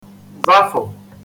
zafụ̀